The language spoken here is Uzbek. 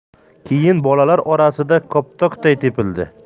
keyin bolalar orasida koptokday tepildi